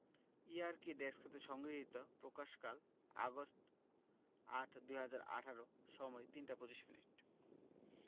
ই আরকি ডেস্ক হতে সংগৃহীতপ্রকাশকালঃ আগস্ট ০৮ ২০১৮ সময়ঃ ৩টা ২৫ মিনিট